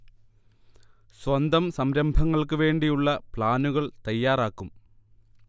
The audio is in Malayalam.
സ്വന്തം സംരംഭങ്ങൾക്ക് വേണ്ടി ഉള്ള പ്ലാനുകൾ തയ്യാറാക്കും